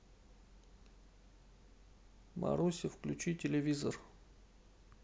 маруся включи телевизор